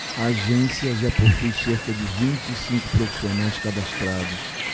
a agência já possui cerca de vinte e cinco profissionais cadastrados